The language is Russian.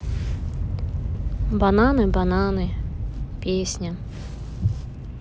бананы бананы песня